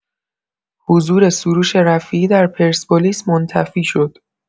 حضور سروش رفیعی در پرسپولیس منتفی شد!